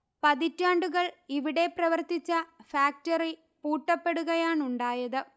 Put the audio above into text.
പതിറ്റാണ്ടുകൾ ഇവിടെ പ്രവർത്തിച്ച ഫാക്ടറി പൂട്ടപ്പെടുകയാണുണ്ടായത്